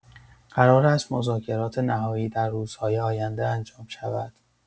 قرار است مذاکرات نهایی در روزهای آینده انجام شود.